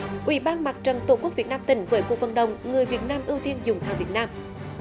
ủy ban mặt trận tổ quốc việt nam tỉnh với cuộc vận động người việt nam ưu tiên dùng hàng việt nam